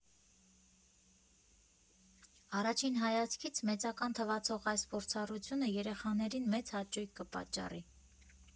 Առաջին հայացքից «մեծական» թվացող այս փորձառությունը երեխաներին մեծ հաճույք կպատճառի։